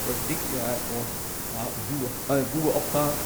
Hvor viktig det er å ha joe gode opptak.